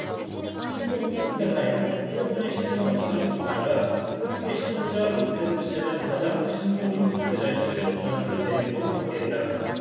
신동주 쿠데타에는 일본의 신선호 사장뿐 아니라 한국의 신영자 롯데복지재단 이사장 신동인 롯데자이언츠 구단주 대행도 함께했다